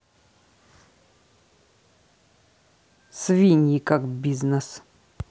свиньи как бизнес